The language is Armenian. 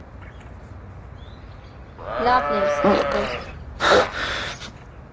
Լավն էր սկիզբը։